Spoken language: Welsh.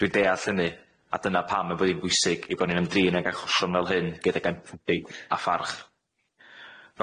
Dwi'n deall hynny a dyna pam y bo hi'n bwysig ein bo' ni'n ymdrin ag achosion fel hyn gydag empathi a pharch.